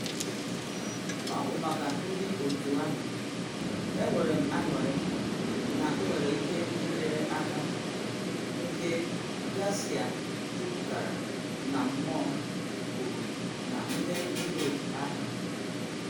Ọ bụ maka ndị otu ahụ., enwere m anụrị na m nwere ike ịnyere aka,” nke Garcia juputara na mmụọ kwuru na mmeri Europe ahụ.